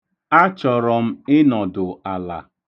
Achọrọ m ịnọdụ ala.